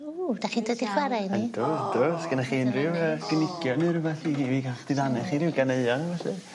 Ww 'dach chi'n dod i chware' i ni? Yndw ydw sgennoch chi unryw yy gynigion ne' rwbeth i i fi gallu diddanu chi ryw ganeuon felly?